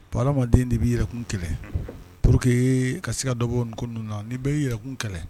Bon adamaden de bɛi yɛrɛkun kɛlɛ, unhun, pour que ka dɔbɔ nin ko ninnu na ni bɛɛ y'i yɛrɛkun kɛlɛ